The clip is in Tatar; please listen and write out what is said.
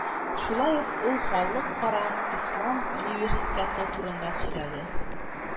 Шулай ук ул Халыкара Ислам университеты турында сөйләде